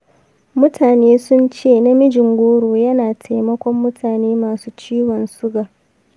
mutane sun ce namijin-goro ya na taimakon mutane masu ciwon suga.